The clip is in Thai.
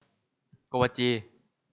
โกวาจี